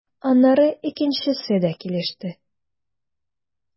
Аннары икенчесе дә килеште.